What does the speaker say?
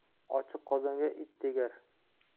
ochiq qozonga it tegar